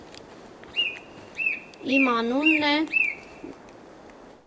Իմ անունն է…